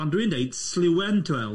Ond dwi'n dweud slywen, ti'n gweld?